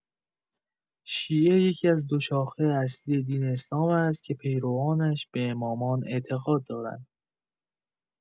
شیعه یکی‌از دو شاخه اصلی دین اسلام است که پیروانش به امامان اعتقاد دارند.